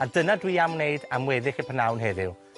A dyna dwi am wneud am weddill y prynhawn heddiw.